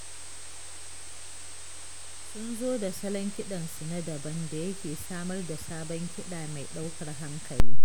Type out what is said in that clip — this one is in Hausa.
Sun zo da salon kiɗansu na daban da yake samar da sabon kiɗa mai ɗaukar hankali.